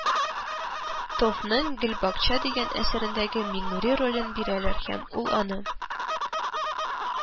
Товның «гөлбакча» дигән әсәрендәге миңнури ролен бирәләр, һәм ул аны